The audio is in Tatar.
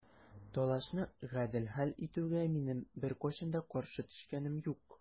Талашны гадел хәл итүгә минем беркайчан да каршы төшкәнем юк.